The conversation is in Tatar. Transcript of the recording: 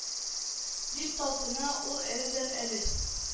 - дип талпына ул әледән-әле